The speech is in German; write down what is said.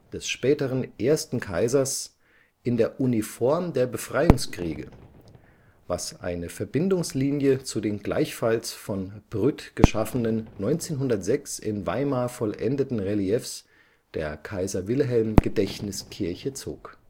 des späteren ersten Kaisers, in der Uniform der Befreiungskriege – was eine Verbindungslinie zu den gleichfalls von Brütt geschaffenen, 1906 in Weimar vollendeten Reliefs der Kaiser-Wilhelm-Gedächtniskirche zog